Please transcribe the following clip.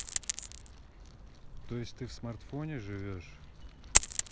то есть ты в смартфоне живешь